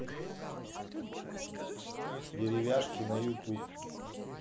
деревяшки на ютуб